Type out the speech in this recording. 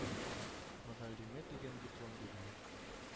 Мөгаллиме дигән диплом бирелә